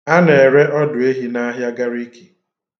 A na-ere ọdụehi na ahịa Gariki.